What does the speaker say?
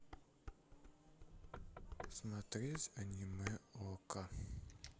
смотреть аниме окко